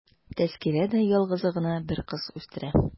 Тәзкирә дә ялгызы гына бер кыз үстерә.